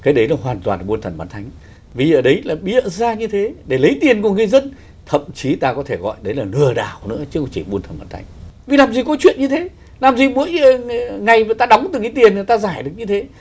cái đấy là hoàn toàn là buôn thần bán thánh vì ở đấy là bịa ra như thế để lấy tiền của người dân thậm chí ta có thể gọi đấy là lừa đảo nữa chứ không chỉ buôn thần bán thánh vì làm gì có chuyện như thế làm gì mỗi ngày người ta đóng từng ấy tiền người ta giải được như thế